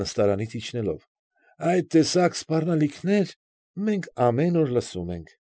Նստարանից իջնելով,֊ այդ տեսակ սպառնալիքներ մենք ամեն օր լսում ենք։